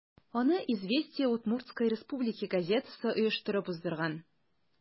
Аны «Известия Удмуртсткой Республики» газетасы оештырып уздырган.